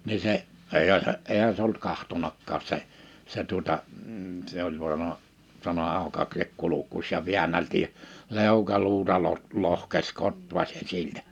niin se eihän se eihän se ollut katsonutkaan se se tuota - se oli sanonut sanoi aukaise kurkkusi ja väänteli leukaluuta - lohkesi kotvasen siltä